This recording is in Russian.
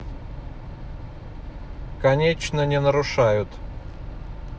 конечно не нарушают